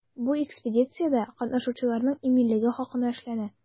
Бу экспедициядә катнашучыларның иминлеге хакына эшләнә.